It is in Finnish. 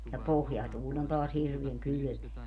ja pohjatuuli on taas hirveän kylmää